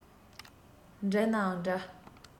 འགྲིག ནའང འདྲ